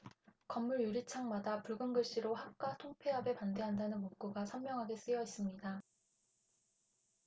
건물 유리창마다 붉은 글씨로 학과 통폐합에 반대한다는 문구가 선명하게 쓰여있습니다